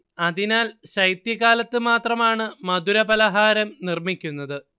അതിനാൽ ശൈത്യകാലത്തു മാത്രമാണ് മധുരപലഹാരം നിർമ്മിക്കുന്നത്